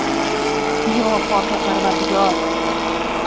yo poka parvardigor